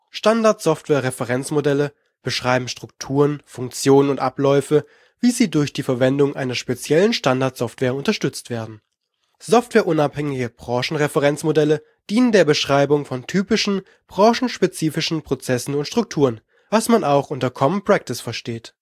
Standardsoftware-Referenzmodelle beschreiben Strukturen, Funktionen und Abläufe, wie sie durch die Verwendung einer speziellen Standard-Software unterstützt werden. Softwareunabhängige Branchenreferenzmodelle dienen der Beschreibung von typischen branchenspezifischen Prozessen und Strukturen, was man auch unter Common Practice versteht